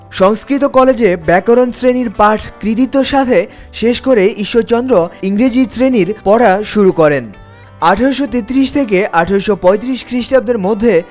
সংস্কৃত কলেজের ব্যাকরণ শ্রেণির পাঠ কৃতিত্বের সাথে শেষ করে ইংরেজি শ্রেণীর পড়া শুরু করেন ১৮৩৩ থেকে ১৮৩৫ খ্রিস্টাব্দের মধ্যে